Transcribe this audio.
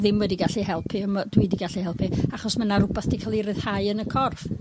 ddim wedi gallu helpu yym yy dwi 'di gallu helpu achos ma' 'na rwbath 'di ca'l 'i ryddhau yn y corff.